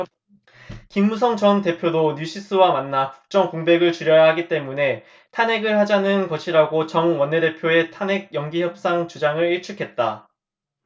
김무성 전 대표도 뉴시스와 만나 국정 공백을 줄여야 하기 때문에 탄핵을 하자는 것이라고 정 원내대표의 탄핵 연기협상 주장을 일축했다